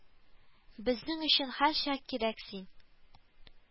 Безнең өчен һәрчак кирәк син